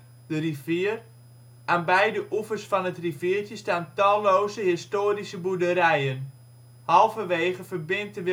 rivier), Aan de beide oevers van het riviertje staan talloze historische boerderijen. Halverwege verbindt de